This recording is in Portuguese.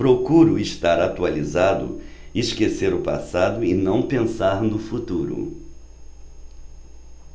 procuro estar atualizado esquecer o passado e não pensar no futuro